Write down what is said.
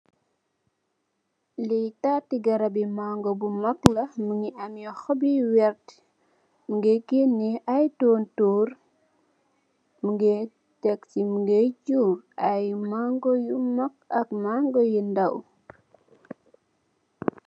Lii taati garabi mango bu mak la, mu ngi amee, lu werta, mu ngee gënné, ay tontoor, Tek si mu ngee just mango yu ndaw ak yu mak.